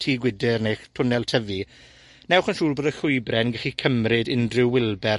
tŷ gwydyr neu'ch twnnel tyfu, newch yn siŵr bod y llwybre yn gellu cymryd unryw wilber